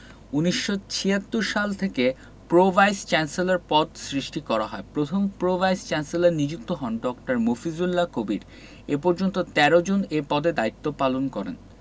১৯৭৬ সাল থেকে pro vice chancellor পদ সৃষ্টি করা হয় প্রথম প্রো ভাইস চ্যান্সেলর নিযুক্ত হন ড. মফিজুল্লাহ কবির এ পর্যন্ত ১৩ জন এ পদে দায়িত্বপালন করেন